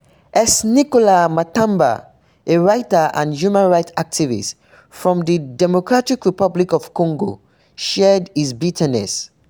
S. Nkola Matamba, a writer and human rights activist from the Democratic Republic of Congo, shared his bitterness: